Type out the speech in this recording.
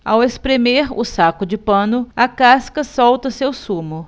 ao espremer o saco de pano a casca solta seu sumo